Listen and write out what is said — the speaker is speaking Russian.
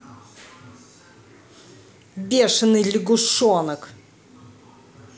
бешеный лягушонок